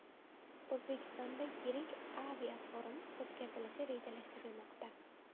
o'zbekistonda yirik aviaforum o'tkazilishi rejalashtirilmoqda